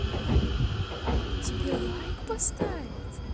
тебе лайк поставить